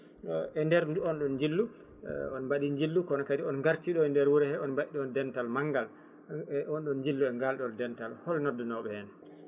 e nder oɗon jillu on mbaɗi jillu kono on gartiɗo e nder wuuro he on mbaɗi ɗon dental manggal e on ɗon jillu e ngal ɗon dental hol noddanoɓe hen